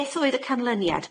Beth oedd y canlyniad?